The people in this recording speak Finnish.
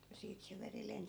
ja siitä se veri lensi